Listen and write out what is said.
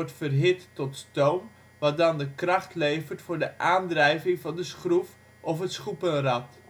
verhit tot stoom wat dan de kracht levert voor de aandrijving van de schroef of schoepenrad